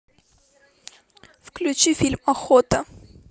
включи фильм охота